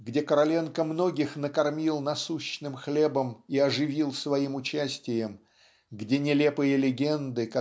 где Короленко многих накормил насущным хлебом и оживил своим участием где нелепые легенды